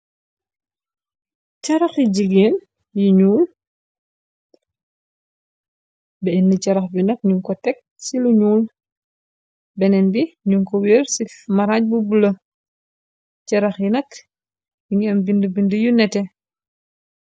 Charah he jigéen yi ñuul, benen charah bi nak nung ko tekk ci lu ñuul. Benen bi nung ko wërr ci maraj bu bulo. Charah yi nak, nungi am bindi-bindi yu nètè.